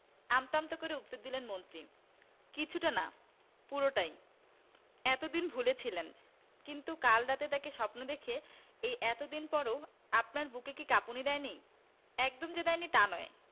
আমতা আমতা করে উত্তর দিলেন মন্ত্রী কিছুটা না পুরোটাই এত দিন ভুলে ছিলেন কিন্তু কাল রাতে তাকে স্বপ্নে দেখে এই এত দিন পরও আপনার বুকে কি কাঁপুনি দেয়নি একদম যে দেয়নি তা নয়